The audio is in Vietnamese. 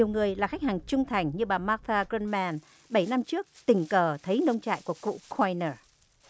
nhiều người là khách hàng trung thành như bà ba ca cơn men bảy năm trước tình cờ thấy nông trại của cụ khoai nơ